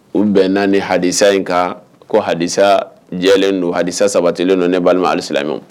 U bɛn hadisa in kan ko hadisa jɛlen don hadisa sabatilen don ne balima alisilamɛla.